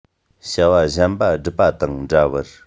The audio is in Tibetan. བྱ བ གཞན པ སྒྲུབ པ དང འདྲ བར